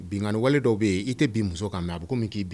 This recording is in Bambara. Binkanni wale dɔw bɛ yen i tɛ bin muso kan, nka a bi k'i